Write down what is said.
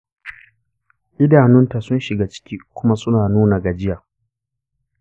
idanunta sun shiga ciki kuma suna nuna gajiya.